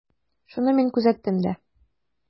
Шуны мин күзәттем дә.